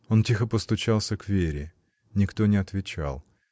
Он тихо постучался к Вере: никто не отвечал.